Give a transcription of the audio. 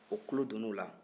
o tulo donn'o la